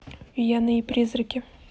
вьена и призраки